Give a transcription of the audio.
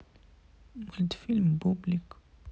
мультфильм бублик